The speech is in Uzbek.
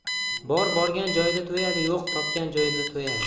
bor borgan joyida to'yadi yo'q topgan joyida to'yadi